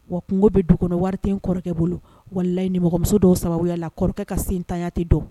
Wa kungo bɛ du kɔnɔ wari tɛ in kɔrɔkɛ bolo wallahi nimɔgɔmuso dɔw sababuya la kɔrɔkɛ ka sentanya tɛ dɔn.